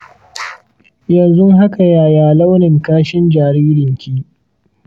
yanzu haka yaya launin kashin jaririnki?